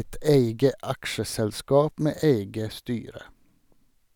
eit eige aksjeselskap med eige styre.